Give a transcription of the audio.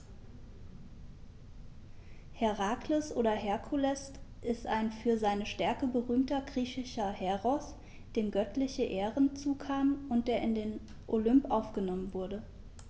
Herakles oder Herkules ist ein für seine Stärke berühmter griechischer Heros, dem göttliche Ehren zukamen und der in den Olymp aufgenommen wurde.